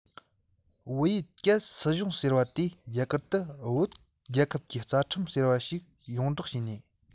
བོད ཡུལ གྱར སྲིད གཞུང ཟེར བ དེས རྒྱ གར དུ བོད རྒྱལ ཁབ ཀྱི རྩ ཁྲིམས ཟེར བ ཞིག ཡོངས བསྒྲགས བྱས ནས